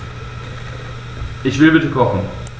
Ich will bitte kochen.